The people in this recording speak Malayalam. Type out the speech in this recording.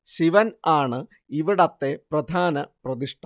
ശിവൻ ആണ് ഇവിടത്തെ പ്രധാന പ്രതിഷ്ഠ